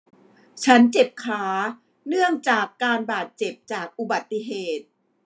ฉันเจ็บขาเนื่องจากการบาดเจ็บจากอุบัติเหตุ